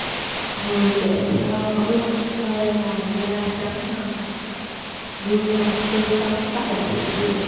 người đẹp hoa ngữ khoe làn da trắng ngần gương mặt tươi tắn tại sự kiện